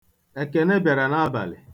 Ekene bịara n'abalị.